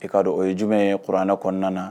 I kaa o ye jumɛn ye kɔrɔuranɛ kɔnɔna na